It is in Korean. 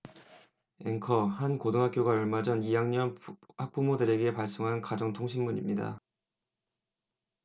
앵커 한 고등학교가 얼마 전 이 학년 학부모들에게 발송한 가정통신문입니다